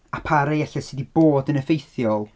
A pa rhai ella sydd 'di bod yn effeithiol?